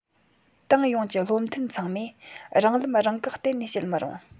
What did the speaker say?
ཏང ཡོངས ཀྱི བློ མཐུན ཚང མས རང ལམ རང བཀག གཏན ནས བྱེད མི རུང